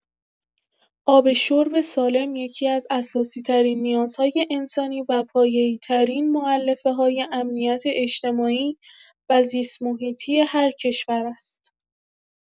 آب شرب سالم یکی‌از اساسی‌ترین نیازهای انسانی و پایه‌ای‌ترین مؤلفه‌های امنیت اجتماعی و زیست‌محیطی هر کشور است.